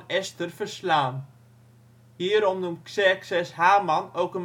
Esther verslaan. Hierom noemt Xerxes Haman ook